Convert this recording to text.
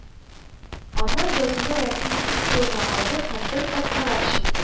Аннан язуны Рәхим үз кулына алды һәм бер кат карап чыкты